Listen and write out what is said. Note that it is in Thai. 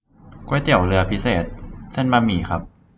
ก๋วยเตี๋ยวเรือพิเศษเส้นบะหมี่ครับ